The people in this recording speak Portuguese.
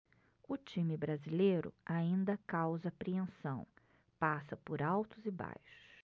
o time brasileiro ainda causa apreensão passa por altos e baixos